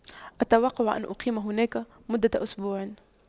أتوقع أن اقيم هناك مدة أسبوع